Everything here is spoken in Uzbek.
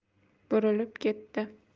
burilib ketdi